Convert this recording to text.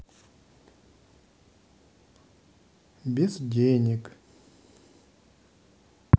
без денег